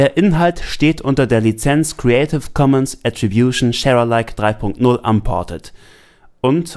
Inhalt steht unter der Lizenz Creative Commons Attribution Share Alike 3 Punkt 0 Unported und